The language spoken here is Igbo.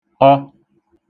ọ